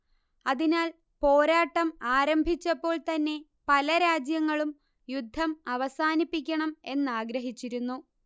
അതിനാൽ പോരാട്ടം ആരംഭിച്ചപ്പോൾ തന്നെ പല രാജ്യങ്ങളും യുദ്ധം അവസാനിപ്പിക്കണം എന്നാഗ്രഹിച്ചിരുന്നു